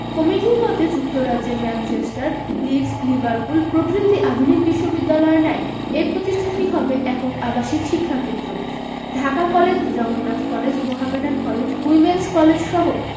কমিটির মতে যুক্তরাজ্যের ম্যানচেস্টার লিডস লিভারপুল প্রভৃতি আধুনিক বিশ্ববিদ্যালয়ের ন্যায় এ প্রতিষ্ঠানটি হবে একক আবাসিক শিক্ষাক্ষেত্র Dhaka college Jagannath college Mohammedan college women's কলেজসহ